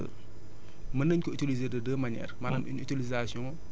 peut être mën nañ ko utiliser de deux manières